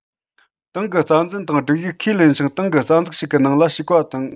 ཏང གི རྩ འཛིན དང སྒྲིག ཡིག ཁས ལེན ཞིང ཏང གི རྩ འཛུགས ཤིག གི ནང ལ ཞུགས པ དང